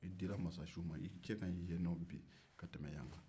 i dira masasiw ma i cɛ ka ɲin yen bi ka tɛmɛ yan kan